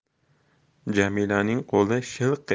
jamilaning qo'li shilq